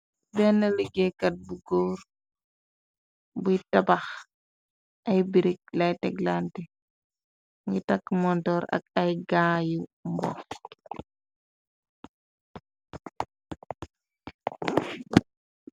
Benn liggéekat bu góor buy tabax ay brig lay teklante ngy takk montor ak ay gaa yu mbo.